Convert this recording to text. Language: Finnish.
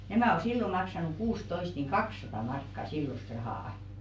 nämä on silloin maksanut kuusitoista niin kaksisataa markkaa silloista rahaa